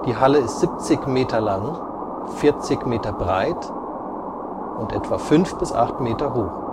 Halle ist 70 Meter lang, 40 Meter breit 5 bis 8 Meter hoch